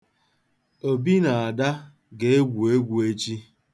Obi na Ada ga-egwu egwu echi.